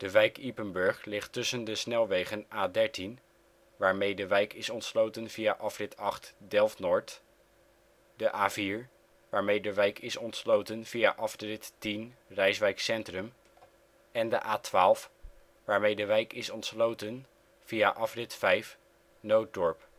wijk Ypenburg ligt tussen de snelwegen A13, waarmee de wijk is ontsloten via afrit 8 " Delft-Noord ", de A4, waarmee de wijk is ontsloten via afrit 10 " Rijswijk-Centrum " en de A12, waarmee de wijk is ontsloten via afrit 5 " Nootdorp